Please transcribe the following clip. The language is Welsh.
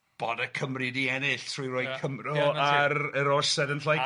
bod y Cymry di ennill trwy roi cymro ar yr orsedd yn Lloeger.